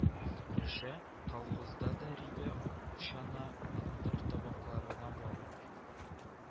Решә, колхозда да рибә учана, ындыр табакларына барып